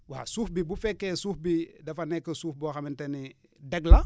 waa suuf bi bu fekkee suuf bi dafa nekk suuf boo xamante ne deg la